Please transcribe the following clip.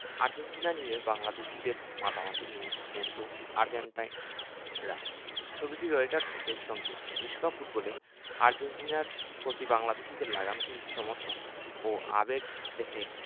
Argentina নিয়ে বাংলাদেশিদের মাতামাতি নিয়ে মুগ্ধ আর্জেন্টাইনরা ছবিটি রয়টার্স হতে সংগৃহীত বিশ্বকাপ ফুটবলে আর্জেন্টিনার প্রতি বাংলাদেশিদের লাগামহীন সমর্থন ও আবেগ দেখে